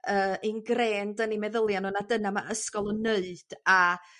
y ingraned yn 'u meddylia' nw ma' dyna ma' ysgol yn neud a